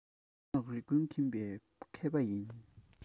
མདོ སྔགས རིག ཀུན མཁྱེན པའི མཁས པ ཡིན